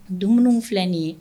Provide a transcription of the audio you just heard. Dumuni filɛ nin ye